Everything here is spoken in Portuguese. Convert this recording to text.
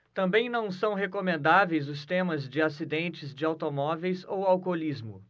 também não são recomendáveis os temas de acidentes de automóveis ou alcoolismo